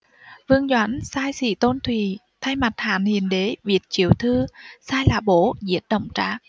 vương doãn sai sĩ tôn thụy thay mặt hán hiến đế viết chiếu thư sai lã bố giết đổng trác